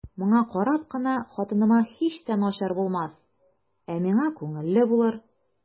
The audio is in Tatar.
Моңа карап кына хатыныма һич тә начар булмас, ә миңа күңелле булыр.